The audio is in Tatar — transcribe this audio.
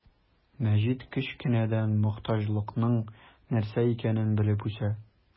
Мәҗит кечкенәдән мохтаҗлыкның нәрсә икәнен белеп үсә.